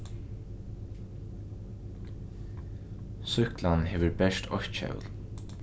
súkklan hevur bert eitt hjól